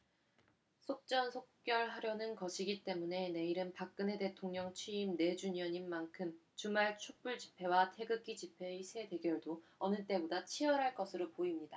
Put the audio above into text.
속전속결 하려는 것이기 때문에 내일은 박근혜 대통령 취임 네 주년인 만큼 주말 촛불집회와 태극기집회의 세 대결도 어느 때보다 치열할 것으로 보입니다